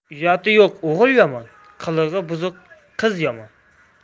uyati yo'q o'g'il yomon qilig'i buzuq qiz yomon